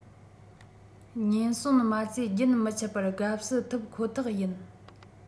ཉེན ཟོན མ རྩས རྒྱུན མི ཆད པར དགའ བསུ ཐོབ ཁོ ཐག ཡིན